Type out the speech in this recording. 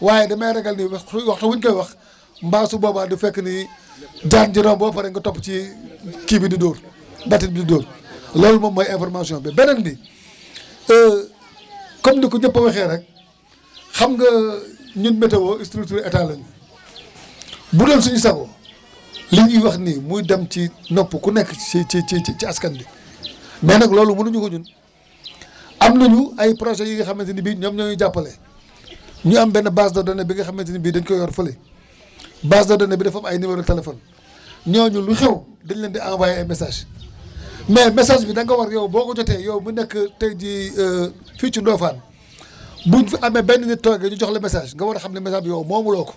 waye damay ragal ne waxtu waxtu wu ñu koy wax mbaa su boobaa du fekk ni jaan ji romb ba pare nga topp ci ci kii bi di dóor mbatit di dóor loolu moom mooy information bi beneen bi comme nu ko ñëpp waxee rek xam nga ñun météo structure état la ñu bu doon suñu sago lii ñuy wax nii muy dem ci noppu ku nekk ci ci ci ci askan bi mais nag loolu mënuñu ko ñun am nañu ay projet yi nga xamante ne bi ñoom ñoo ñuy jàppale ñu am benn base de données bi nga xamante ni bi dañu ko yor fële base de données bi dafa am ay numéros téléphone ñooñu lu xew dañ leen di envoyé ay messages mais message bi da nga ko war yow boo ko jotee yow mi nekk tey jii fii ci Ndofane bu ñu fi amee benn nit toog rek ñu jox la message nga war a xam ne message bi yow moomuloo ko